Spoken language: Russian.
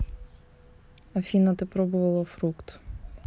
афина ты пробовала фрукт